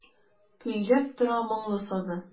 Көйләп тора моңлы сазы.